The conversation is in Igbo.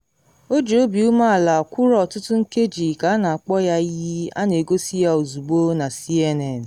O ji obi umeala kwụrụ ọtụtụ nkeji ka a na akpọ ya iyi, a na egosi ya ozugbo na CNN.